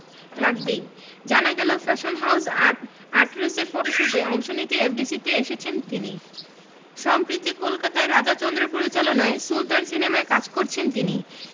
লাগবেই জানা গেল ফ্যাশন হাউজ আর্টরেসের ফটশুটে অংশ নিতেই এফডিসিতে এসেছেন তিনি সম্প্রিতি কলকাতায় রাজা চন্দের পরিচালনায় সুলতান সিনেমার কাজ করেছেন তিনি